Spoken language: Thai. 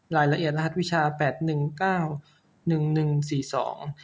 รายละเอียดรหัสวิชาแปดหนึ่งเก้าหนึ่งหนึ่งสี่สอง